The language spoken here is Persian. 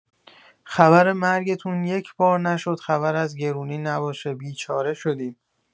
خبرمرگتون یکبار نشد خبر از گرونی نباشه بیچاره شدیم.